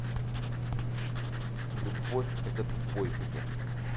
любовь это тупой блядь